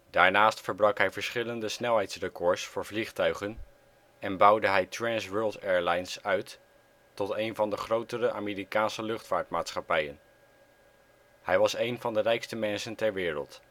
Daarnaast verbrak hij verschillende snelheidsrecords voor vliegtuigen en bouwde hij Trans World Airlines uit tot een van de grotere Amerikaanse luchtvaartmaatschappijen. Hij was een van de rijkste mensen ter wereld